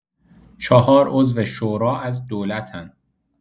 چهار عضو شورا از دولتن